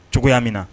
Cogoyamina